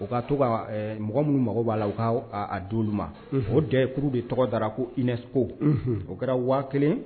U ka to ka mɔgɔ minnu mako b'a la u' don olu ma o dekuru de tɔgɔ da ko iinɛso o kɛra waa kelen